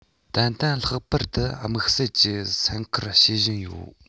ཏན ཏན ལྷག པར དུ དམིགས བསལ གྱིས སེམས ཁུར བྱེད བཞིན ཡོད